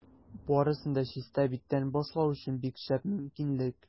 Барысын да чиста биттән башлау өчен бик шәп мөмкинлек.